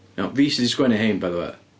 Iawn, fi sy 'di sgwennu 'hein, by the way.